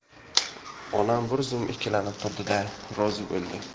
onam bir zum ikkilanib turdi da rozi bo'ldi